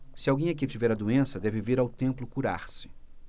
se alguém aqui tiver a doença deve vir ao templo curar-se